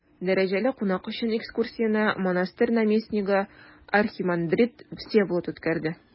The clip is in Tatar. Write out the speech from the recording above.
Дәрәҗәле кунак өчен экскурсияне монастырь наместнигы архимандрит Всеволод үткәрде.